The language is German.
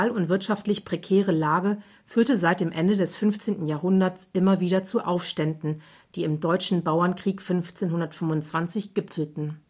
und wirtschaftlich prekäre Lage führte seit dem Ende des 15. Jahrhunderts immer wieder zu Aufständen, die im Deutschen Bauernkrieg 1525 gipfelten